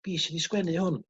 fi sy 'di sgwennu hwn